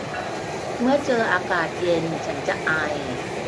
เมื่อเจออากาศเย็นฉันจะไอ